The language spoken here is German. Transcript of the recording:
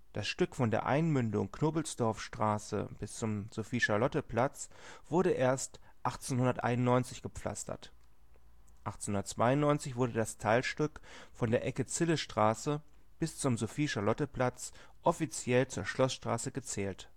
Das Stück von der Einmündung Knobelsdorffstraße bis zum Sophie-Charlotte-Platz wurde erst 1891 gepflastert. 1892 wurde das Teilstück von der Ecke Zillestraße bis zum Sophie-Charlotte-Platz offiziell zur Schloßstraße gezählt